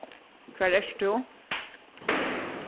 hvar ert tú